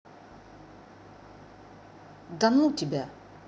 да ну тебя